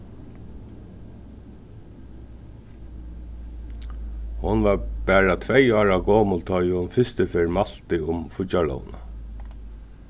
hon var bara tvey ára gomul tá ið hon fyrstu ferð mælti um fíggjarlógina